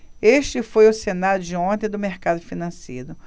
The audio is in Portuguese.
este foi o cenário de ontem do mercado financeiro